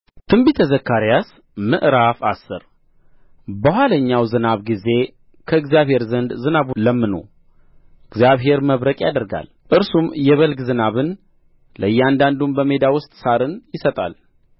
ትንቢተ ዘካርያስ ምዕራፍ አስር በኋለኛው ዝናብ ጊዜ ከእግዚአብሔር ዘንድ ዝናቡን ለምኑ እግዚአብሔር መብረቅ ያደርጋል እርሱም የበልግ ዝናብን ለእያንዳንዱም በሜዳ ውስጥ ሣርን ይሰጣል